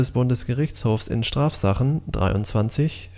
BGHSt 23